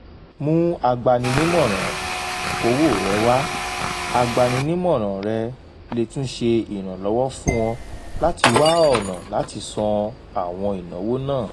Mú agbanínimọran owó rẹ wá: Agbanínimọran rẹ̀ lè tún ṣe ìrànlọ́wọ́ fún ọ láti wá ọ̀nà láti sanwo àwọn ìnáwó náà.